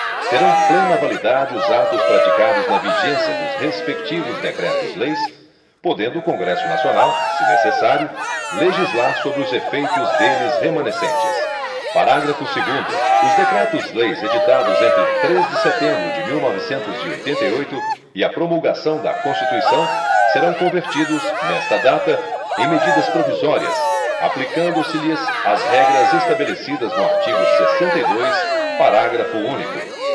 terão plena validade os atos praticados na vigência dos respectivos decretos leis podendo o congresso nacional se necessário legislar sobre os efeitos deles remanescentes parágrafo segundo os decretos leis editados entre três de setembro de mil novecentos e oitenta e oito e a promulgação da constituição serão convertidos nesta data em medidas provisórias aplicando se lhes as regras estabelecidas no artigo sessenta e dois parágrafo único